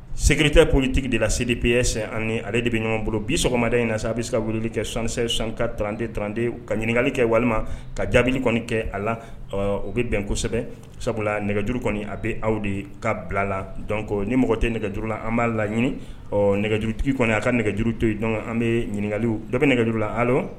Segegrite politigi de la sedi peeyesɛn ani ale de bɛ ɲɔgɔn bolo bi sɔgɔmada in na sisan a bɛ se ka wulili kɛ skisɛ sanka trante trante ka ɲininkakali kɛ walima ka jaabi kɔni kɛ a la o bɛ bɛn kosɛbɛ sabula nɛgɛjuru kɔni a bɛ aw de ka bila la dɔn ko ni mɔgɔ tɛ nɛgɛjuru la an b'a laɲini ɔ nɛgɛjurutigi kɔni a ka nɛgɛjuru to yen dɔn an bɛ ɲininkakali dɔ bɛ nɛgɛjuru la ala